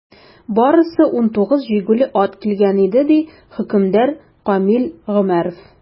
Барысы 19 җигүле ат килгән иде, - ди хөкемдар Камил Гомәров.